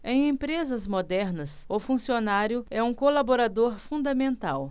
em empresas modernas o funcionário é um colaborador fundamental